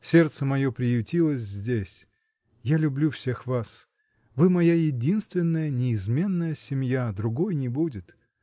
Сердце мое приютилось здесь: я люблю всех вас — вы моя единственная, неизменная семья, другой не будет!